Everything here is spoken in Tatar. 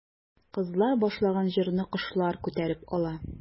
Кызлар башлаган җырны кошлар күтәреп ала.